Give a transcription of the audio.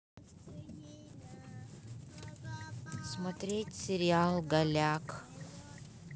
смотреть сериал голяк